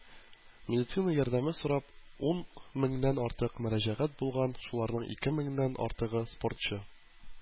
Медицина ярдәме сорап ун меңнән артык мөрәҗәгать булган, шуларның ике меңнән артыгы - спортчы.